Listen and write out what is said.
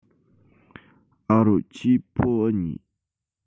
ཨ རོ ཁྱོས ཕིའོ ཨེ ཉོས